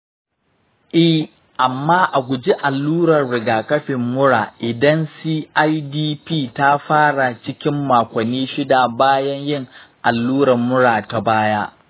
ee, amma a guji allurar rigakafin mura idan cidp ta fara cikin makonni shida bayan yin allurar mura ta baya.